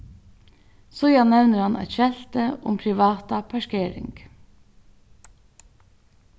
síðan nevnir hann eitt skelti um privata parkering